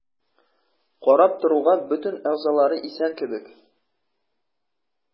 Карап торуга бөтен әгъзалары исән кебек.